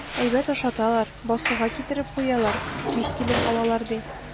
Әйбәт ашаталар, басуга китереп куялар, кич килеп алалар, ди.